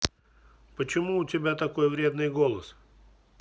почему у тебя такой вредный голос